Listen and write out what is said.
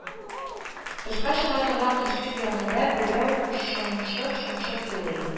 Тышка чыга торган ишек янында берәү шыңшып-шыңшып елый